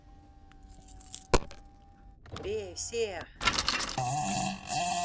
бей всех